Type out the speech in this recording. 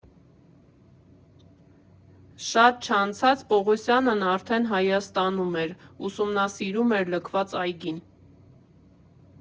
Շատ չանցած Պողոսյանն արդեն Հայաստանում էր, ուսումնասիրում էր լքված այգին։